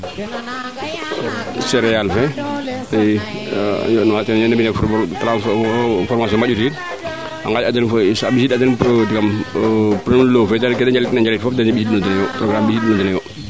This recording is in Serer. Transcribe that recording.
cereale fee a yond nuwa teen a mbissid a den premier lot fee daal keede njalit na njalit fop ten mbissid na denoyo